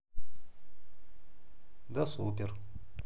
да супер